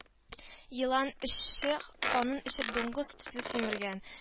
- елан, эшче канын эчеп дуңгыз төсле симергән